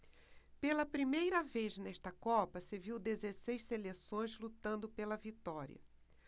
pela primeira vez nesta copa se viu dezesseis seleções lutando pela vitória